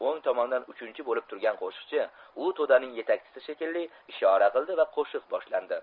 o'ng tomondan uchinchi bo'lib turgan qo'shiqchi u to'daning yetakchisi shekilli ishora qildi va qo'shiq boshlandi